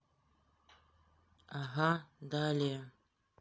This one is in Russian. ага далее